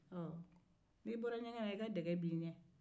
n'i bɔra ɲɛgɛn na i ka dɛgɛ b'i ɲɛ